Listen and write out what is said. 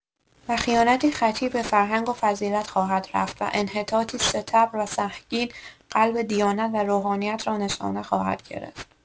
و خیانتی خطیر به فرهنگ و فضیلت خواهد رفت و انحطاطی ستبر و سهمگین قلب دیانت و روحانیت را نشانه خواهد گرفت.